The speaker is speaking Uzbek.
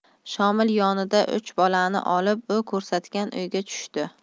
shomil yoniga uch bolani olib u ko'rsatgan uyga tushdi